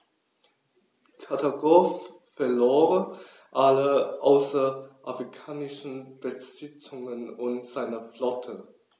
Karthago verlor alle außerafrikanischen Besitzungen und seine Flotte.